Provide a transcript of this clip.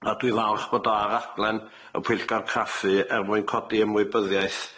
A dwi falch bod o ar raglen y pwyllgor caffi er mwyn codi ymwybyddieth.